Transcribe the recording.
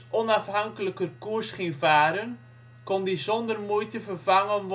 onafhankelijker koers ging varen, kon die zonder moeite vervangen